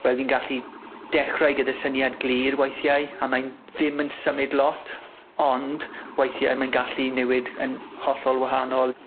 Wel fi'n gallu dechrau gyda syniad glir weithiau a mae'n ddim yn symud lot ond weithie mae'n gallu niwid yn hollol wahanol.